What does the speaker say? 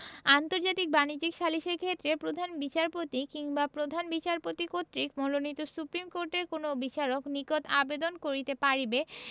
ঙ আন্তর্জাতিক বাণিজ্যিক সালিসের ক্ষেত্রে প্রধান বিচারপতি কিংবা প্রধান বিচারপতি কর্তৃক মনোনীত সুপ্রীম কোর্টের কোন বিচারকের নিকট আবেদন করিতে পারিবে